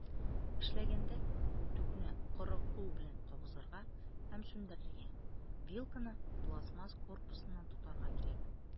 Эшләгәндә, үтүкне коры кул белән кабызырга һәм сүндерергә, вилканы пластмасс корпусыннан тотарга кирәк.